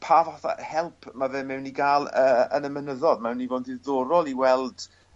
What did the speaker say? pa fath o help ma' fe mewn i ga'l yy yn y mynyddo'dd mae myn' i fod yn ddiddorol i weld